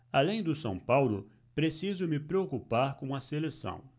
além do são paulo preciso me preocupar com a seleção